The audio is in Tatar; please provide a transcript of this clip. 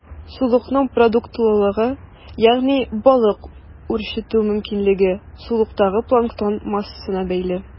Сулыкның продуктлылыгы, ягъни балык үрчетү мөмкинчелеге, сулыктагы планктон массасына бәйле.